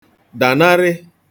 dànarị